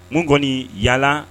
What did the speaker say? Mun kɔnni yala